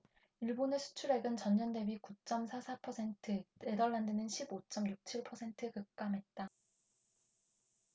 일본의 수출액은 전년대비 구 쩜 사 사 퍼센트 네덜란드는 십 오 쩜 육 칠 퍼센트 급감했다